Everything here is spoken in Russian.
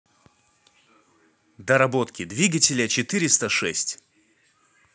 доработки двигателя четыреста шесть